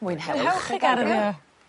mwynhewch y garddio.